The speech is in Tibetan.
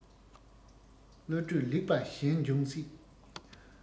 བློ གྲོས ལེགས པ གཞན འབྱུང སྲིད